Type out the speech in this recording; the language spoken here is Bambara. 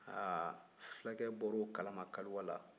aa fulakɛ bɔr'o kalama kaluwa la